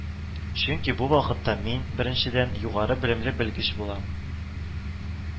Чөнки бу вакытта мин, беренчедән, югары белемле белгеч булам